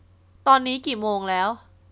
ตอนนี้กี่โมงแล้ว